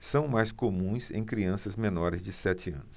são mais comuns em crianças menores de sete anos